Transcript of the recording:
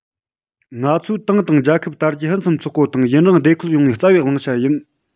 ང ཚོའི ཏང དང རྒྱལ ཁབ དར རྒྱས ཕུན སུམ ཚོགས པོ དང ཡུན རིང བདེ འཁོད ཡོང བའི རྩ བའི བླང བྱ ཡིན